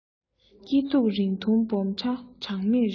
སྐྱིད སྡུག རིང ཐུང སྦོམ ཕྲ གྲངས མེད རེད